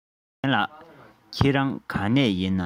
རྒན ལགས ཁྱེད རང ག ནས ཡིན ན